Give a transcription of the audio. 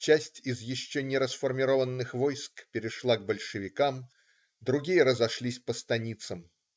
Часть из еще не расформированных войск перешла к большевикам, другие разошлись по станицам.